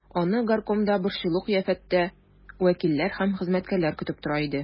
Аны горкомда борчулы кыяфәттә вәкилләр һәм хезмәткәрләр көтеп тора иде.